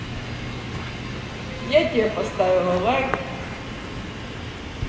я тебе поставил лайк